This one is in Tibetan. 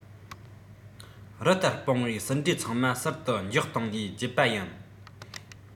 རི ལྟར སྤུངས བའི ཟིན བྲིས ཚང མ ཟུར དུ འཇོག སྟེང ནས བརྗེད པ ཡིན